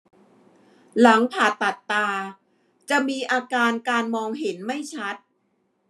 หลังผ่าตัดตาจะมีอาการการมองเห็นไม่ชัด